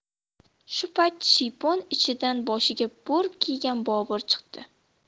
shu payt shiypon ichidan boshiga bo'rk kiygan bobur chiqdi